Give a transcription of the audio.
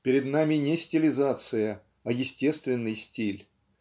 перед нами не стилизация, а естественный стиль.